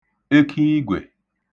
ekiigwe